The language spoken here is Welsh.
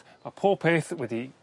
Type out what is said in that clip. ma' pob peth wedi